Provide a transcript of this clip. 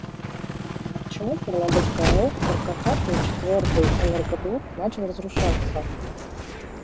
почему чернобыльская аэс саркофаг над четвертый энергоблок начал разрушаться